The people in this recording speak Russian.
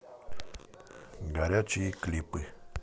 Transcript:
горячие клипы